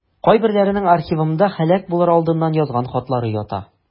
Кайберләренең архивымда һәлак булыр алдыннан язган хатлары ята.